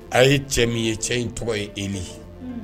A ye cɛ min ye cɛ in tɔgɔ ye e ni ye